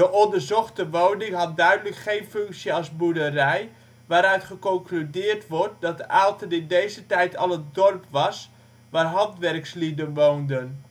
onderzochte woning had duidelijk geen functie als boerderij, waaruit geconcludeerd wordt dat Aalten in deze tijd al een dorp was waar handwerkslieden woonden